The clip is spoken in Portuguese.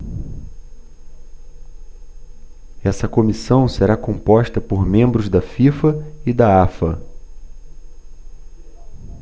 essa comissão será composta por membros da fifa e da afa